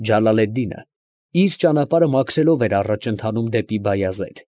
Ջալալեդդինը իր ճանապարհը մաքրելով էր առաջ ընթանում դեպի Բայազեդ։